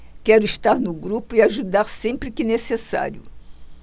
quero estar no grupo e ajudar sempre que necessário